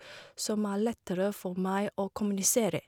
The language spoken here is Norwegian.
Som er lettere for meg å kommunisere.